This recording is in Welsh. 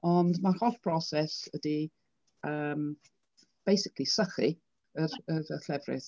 Ond mae'r holl broses ydy yym basically sychu yr yr y llefrith.